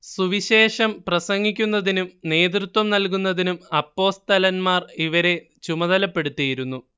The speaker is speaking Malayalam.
സുവിശേഷം പ്രസംഗിക്കുന്നതിനും നേതൃത്വം നല്കുന്നതിനും അപ്പോസ്തലൻമാർ ഇവരെ ചുമതലപ്പെടുത്തിയിരുന്നു